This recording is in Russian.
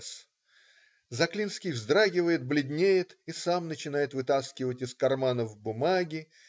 С. Заклинский вздрагивает, бледнеет и сам начинает вытаскивать из карманов бумаги.